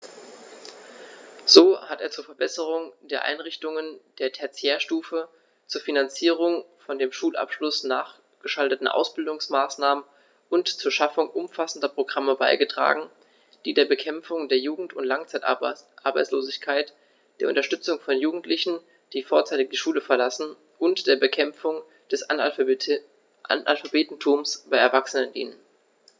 So hat er zur Verbesserung der Einrichtungen der Tertiärstufe, zur Finanzierung von dem Schulabschluß nachgeschalteten Ausbildungsmaßnahmen und zur Schaffung umfassender Programme beigetragen, die der Bekämpfung der Jugend- und Langzeitarbeitslosigkeit, der Unterstützung von Jugendlichen, die vorzeitig die Schule verlassen, und der Bekämpfung des Analphabetentums bei Erwachsenen dienen.